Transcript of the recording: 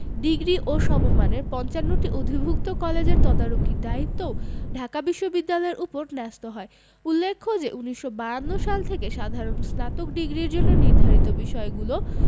degree ও সমমানের ৫৫টি অধিভুক্ত কলেজের তদারকির দায়িত্বও ঢাকা বিশ্ববিদ্যালয়ের ওপর ন্যস্ত হয় উল্লেখ্য যে ১৯৫২ সাল থেকে সাধারণ স্নাতক ডিগ্রির জন্য নির্ধারিত বিষয়গুলো